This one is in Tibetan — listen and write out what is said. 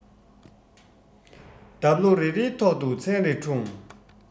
འདབ ལོ རེ རེའི ཐོག ཏུ མཚན རེ འཁྲུངས